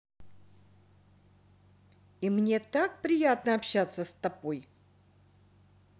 и мне также приятно общаться со стопой